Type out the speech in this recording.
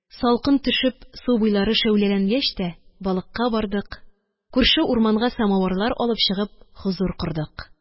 Салкын төшеп, су буйлары шәүләләнгәч тә, балыкка бардык, күрше урманга самавырлар алып чыгып, хозур кордык.